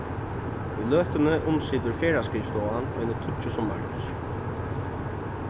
í løtuni umsitur ferðaskrivstovan eini tíggju summarhús